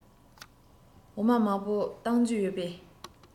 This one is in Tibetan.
འོ མ མང པོ བཏུང རྒྱུ ཡོད པའི